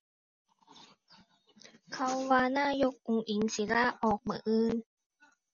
เขาว่านายกอุ๊งอิ๊งสิลาออกมื้ออื่น